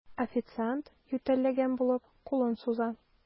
Официант, ютәлләгән булып, кулын суза.